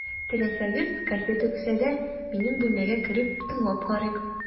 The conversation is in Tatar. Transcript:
Теләсәгез, кассета кесәдә, минем бүлмәгә кереп, тыңлап карыйк.